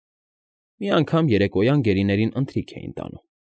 Մի անգամ երեկոյան գերիներին ընթրիք էին տանում։